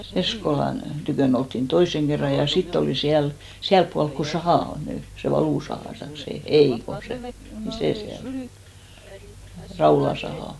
Eskolan tykönä oltiin toisen kerran ja sitten oli siellä siellä puolen kun saha on nyt se valusaha taikka se ei kun se niin se siellä Raulan saha